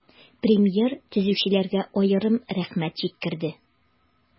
Премьер төзүчеләргә аерым рәхмәт җиткерде.